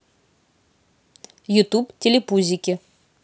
ютуб телепузики